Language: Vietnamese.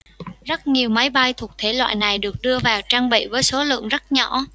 rất nhiều máy bay thuộc thể loại này được đưa vào trang bị với số lượng rất nhỏ